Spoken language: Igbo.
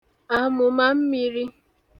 àmụ̀màmmīrī